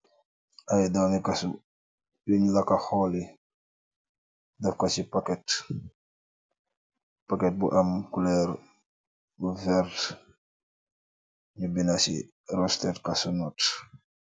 Ay doomi kasu yuñ laka xooli def ko ci paket bu am kulor bu vert ñu bindé ci rosted kassu not.